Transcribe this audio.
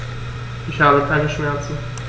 Ich habe keine Schmerzen.